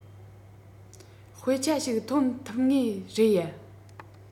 དཔེ ཆ ཞིག ཐོན ཐུབ ངེས རེད ཡ